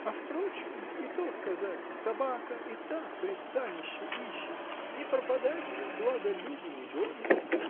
А впрочем, и то сказать: собака -- и та пристанища ищет, не пропадать же, благо люди не гонят.